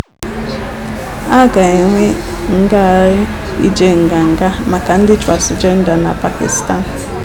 A ga-enwe ngagharị ije Nganga maka Ndị Transịjenda na Pakistan